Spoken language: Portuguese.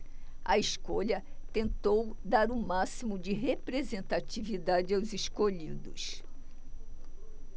a escolha tentou dar o máximo de representatividade aos escolhidos